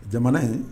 Jamana ye